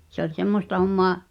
se oli semmoista hommaa